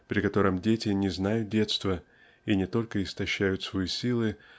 при котором дети не знают детства и не только истощают свои силы